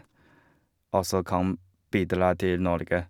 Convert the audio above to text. Og så kan bidra til Norge.